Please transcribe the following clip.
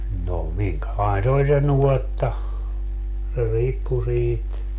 no minkälainen se oli se nuotta se riippui siitä